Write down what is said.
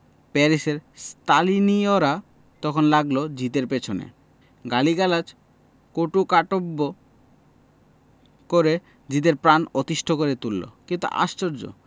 প্যারিসের স্তালিনীয়রা তখন লাগল জিদের পেছনে গালিগালাজ কটুকাটব্য করে জিদে র প্রাণ অতিষ্ঠ করে তুলল কিন্তু আশ্চর্য